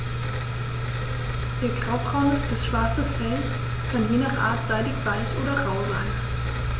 Ihr graubraunes bis schwarzes Fell kann je nach Art seidig-weich oder rau sein.